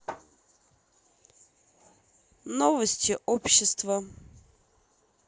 новости общества